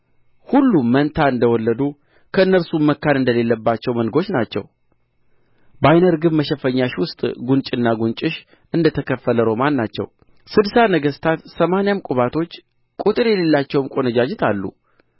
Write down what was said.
ሁሉ መንታ እንደ ወለዱ ከእነርሱም መካን እንደሌለባቸው መንጎች ናቸው በዓይነ ርግብ መሸፈኛሽ ውስጥ ጕንጭና ጕንጭሽ እንደ ተከፈለ ሮማን ናቸው ስድሳ ንግሥታት ሰማንያም ቍባቶች ቍጥር የሌላቸውም ቈነጃጅት አሉ